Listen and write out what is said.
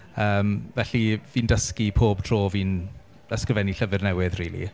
yym felly fi'n dysgu pob tro fi'n ysgrifennu llyfr newydd rili.